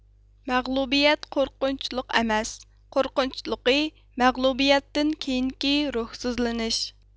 مەغلۇبىيەت قورقۇنچلۇق ئەمەس قورقۇنچلۇقى مەغلۇبىيەتتىن كېيىنكى روھسىزلىنىش